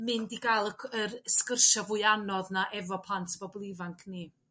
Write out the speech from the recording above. mynd i ga'l yr sgyrsia' fwy anodd 'na efo plant bobol ifanc ni.